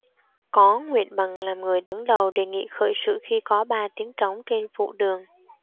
có nguyễn bằng làm người đứng đầu đề nghị khởi sự khi có ba tiếng trống trên phủ đường